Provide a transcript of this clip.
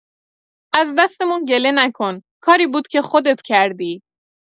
از دستمون گله نکن کاری بود که خودت کردی